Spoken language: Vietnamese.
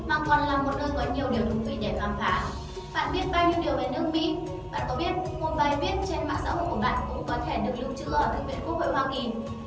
mà còn là nơi có rất nhiều điều thú vị để khám phá bạn biết bao nhiêu về nước mỹ bạn có biết bài viết trên mạng xã hội của bạn cũng được lưu trữ ở thư viện quốc hội hoa kỳ